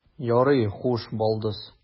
Ярый, хуш, балдыз.